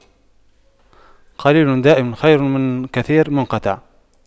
قليل دائم خير من كثير منقطع